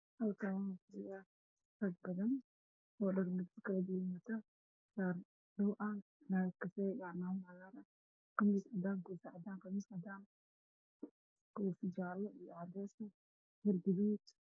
Halkaan waxaa fadhiyo rag badan oo dhar kala duwan wato shaar madow, shaar kafay ah, qamiis cadaan ah, koofi cadaan, koofi jaale iyo cadeys ah, dhar gaduudan.